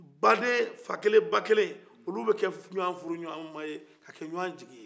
baden fa kelen ba kelen olu bɛ kɛ ɲwan furuɲwan ma ye ka kɛ ɲwan jigi ye